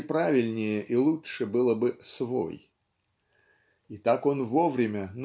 где правильнее и лучше было бы свой). Итак он вовремя